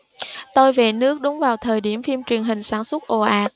tôi về nước đúng vào thời điểm phim truyền hình sản xuất ồ ạt